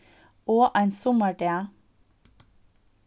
og ein summardag